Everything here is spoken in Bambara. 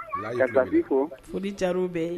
La yaga foli caro bɛ yen